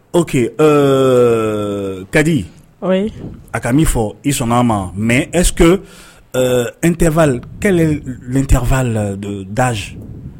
Oke kadi a ka min fɔ i sɔn ma mɛ esseke n tɛ kɛlenlen tɛfa la daz